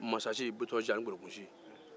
masasi bitɔnsi ani ŋolokunsi